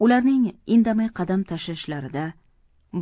ularning indamay qadam tashiashlarida